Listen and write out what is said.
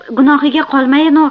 gunohiga qolmayin u